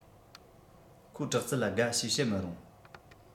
ཁོ དྲག རྩལ ལ དགའ ཞེས བཤད མི རུང